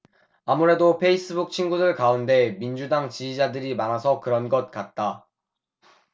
아무래도 페이스북 친구들 가운데 민주당 지지자들이 많아서 그런 것 같다